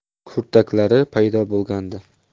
kurtaklari paydo bo'lgandi